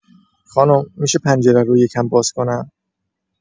خانم، می‌شه پنجره رو یه کم باز کنم؟